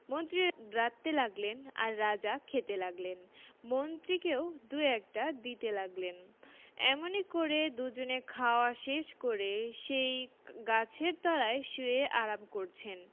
মন্ত্রী রাঁধতে লাগলেন আর রাজা খেতে লাগলেন মন্ত্রীকেও দু একটা দিতে থাকলেন এমনি করে দুজনে খাওয়া শেষ করে সেই গাছের তলায় শুয়ে আরাম করছেন